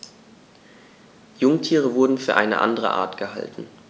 Jungtiere wurden für eine andere Art gehalten.